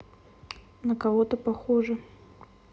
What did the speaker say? на кого то похожи